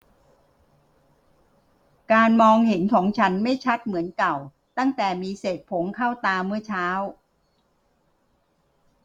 การมองเห็นของฉันไม่ชัดเหมือนเก่าตั้งแต่มีเศษผงเข้าตาเมื่อเช้า